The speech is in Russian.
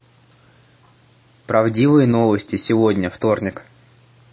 правдивые новости сегодня вторник